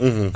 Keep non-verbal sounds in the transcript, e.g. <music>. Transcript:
<hesitation> <hesitation>